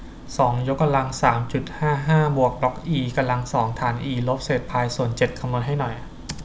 สองยกกำลังสามจุดห้าห้าบวกล็อกอีกำลังสองฐานอีลบเศษพายส่วนเจ็ดคำนวณให้หน่อย